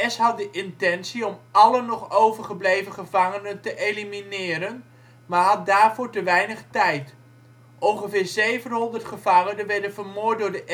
SS had de intentie om alle nog overgebleven gevangenen te elimineren, maar had daarvoor te weinig tijd. Ongeveer zevenhonderd gevangenen werden vermoord door de